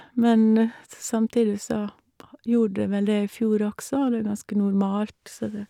Men s samtidig så gjorde det vel det i fjor også, og det er ganske normalt, så det...